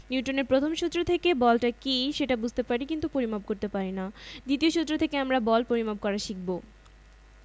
৩.২.১ মহাকর্ষ বল বা গ্রেভিটেশন